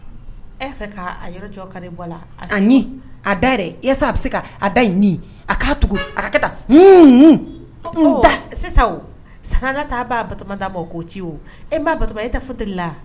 E fɛ k' yɔrɔ jɔ kari bɔ a da a bɛ se k da nin' tugu san b'a bato' ma k'o ci e m'a bato e ta la